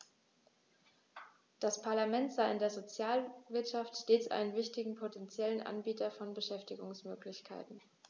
Das Parlament sah in der Sozialwirtschaft stets einen wichtigen potentiellen Anbieter von Beschäftigungsmöglichkeiten.